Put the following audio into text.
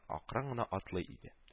Акрын гына атлый иде